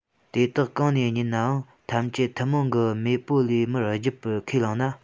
དེ དག གང ནས རྙེད ནའང ཐམས ཅད ཐུན མོང གི མེས པོ ལས མར བརྒྱུད པར ཁས བླངས ན